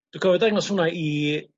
Dwi'n cofio dangos hwnna i